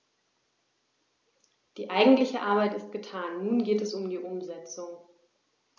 Die eigentliche Arbeit ist getan, nun geht es um die Umsetzung.